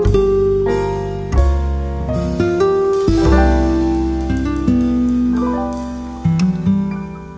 cẩm nang du lịch hạ long homestay độc nhất vô nhị nằm giữa khu du lịch sầm uất nhất việt nam